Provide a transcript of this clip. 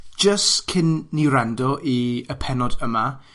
Jys cyn ni wrando i y pennod yma,